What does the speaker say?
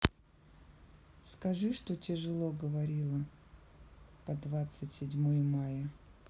скажи что тяжело говорила по двадцать седьмое мая